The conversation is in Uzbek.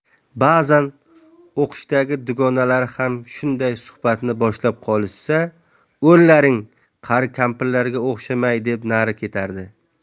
ba'zan o'qishdagi dugonalari ham shunday suhbatni boshlab qolishsa o'llaring qari kampirlarga o'xshamay deb nari ketardi